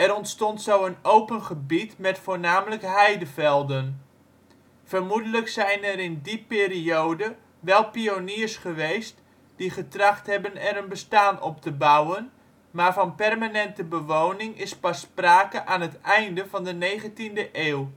ontstond zo een open gebied met voornamelijk heidevelden. Vermoedelijk zijn er in die periode wel pioniers geweest die getracht hebben er een bestaan op te bouwen, maar van permanente bewoning is pas sprake aan het einde van de negentiende eeuw